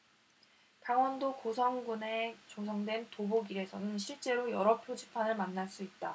강원도 고성군에 조성된 도보길에서는 실제로 여러 표지판을 만날 수 있다